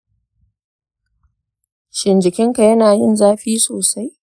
shin jikinka yana yin zafi sosai?